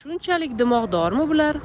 shunchalik dimog'dormi bular